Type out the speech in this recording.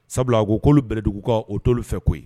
Sabula a ko'olu bɛlɛdugu kan o toolu fɛ ko koyi